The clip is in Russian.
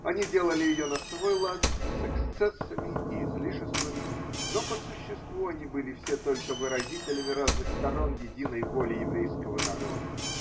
Они делали ее на свой лад, с эксцессами и излишествами, но по существу они были все только выразителями разных сторон единой воли еврейского народа.